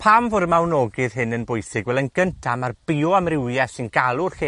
Pam fod y mawnogydd hyn yn bwysig? Wel, yn gynta, ar bioamrywiaeth, sy'n galw'r lle